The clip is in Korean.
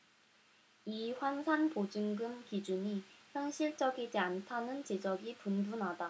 이 환산보증금 기준이 현실적이지 않다는 지적이 분분하다